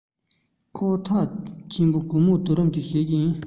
ཁོ ཐག ཐོན ཆེ གེ མོས དུས རིམ ཞིག ཀྱང ཡིན